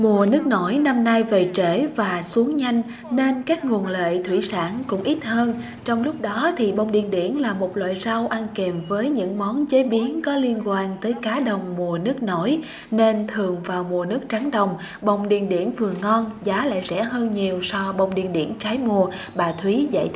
mùa nước nổi năm nay về trễ và xuống nhanh nên các nguồn lợi thủy sản cũng ít hơn trong lúc đó thì bông điên điển là một loại rau ăn kèm với những món chế biến có liên quan tới cá đồng mùa nước nổi nên thường vào mùa nước trắng đồng bông điên điển vừa ngon giá lại rẻ hơn nhiều so bông điên điển trái mùa bà thúy giải